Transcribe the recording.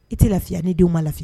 I tɛ lafiya n ni denw ma lafiya